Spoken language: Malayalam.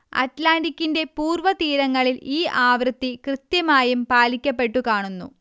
അറ്റ്ലാന്റിക്ക്കിന്റെ പൂർവതീരങ്ങളിൽ ഈ ആവൃത്തി കൃത്യമായും പാലിക്കപ്പെട്ടു കാണുന്നു